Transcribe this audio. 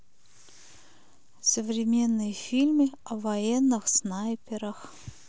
современные фильмы о военных снайперах